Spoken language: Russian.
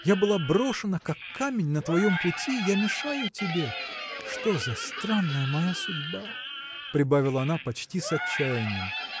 Я была брошена как камень на твоем пути; я мешаю тебе. Что за странная моя судьба! – прибавила она почти с отчаянием.